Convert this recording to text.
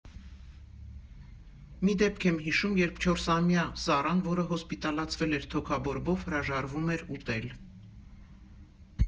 «Մի դեպք եմ հիշում, երբ չորսամյա Սառան, որը հոսպիտալացվել էր թոքաբորբով, հրաժարվում էր ուտել։